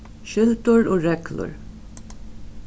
skyldur og reglur